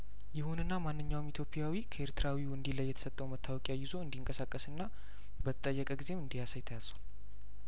ይሁንና ማንኛውም ኢትዮፕያዊ ከኤርትራዊው እንዲ ለይየተሰጠውን መታወቂያ ይዞ እንዲንቀሳቀስና በተጠየቀ ጊዜም እንዲያሳይ ታዟል